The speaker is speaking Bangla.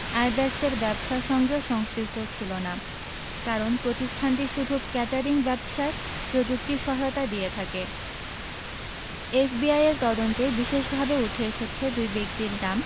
আইব্যাকসের ব্যবসার সঙ্গে সংশ্লিষ্ট ছিল না কারণ প্রতিষ্ঠানটি শুধু কেটারিং ব্যবসায় প্রযুক্তি সহায়তা দিয়ে থাকে এফবিআইয়ের তদন্তে বিশেষভাবে উঠে এসেছে দুই ব্যক্তির নাম